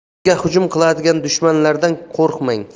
sizga hujum qiladigan dushmanlardan qo'rqmang